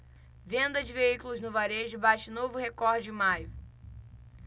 venda de veículos no varejo bate novo recorde em maio